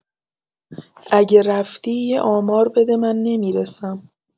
اگه رفتی یه آمار بده من نمی‌رسم.